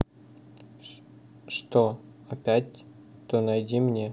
что опять то найди мне